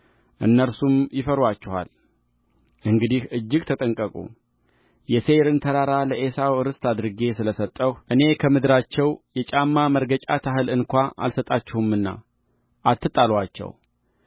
እነርሱም ይፈሩአችኋል እንግዲህ እጅግ ተጠንቀቁየሴይርን ተራራ ለዔሳው ርስት አድርጌ ስለ ሰጠሁ እኔ ከምድራቸው የጫማ መርገጫ ታህል እንኳ አልሰጣችሁምና አትጣሉአቸው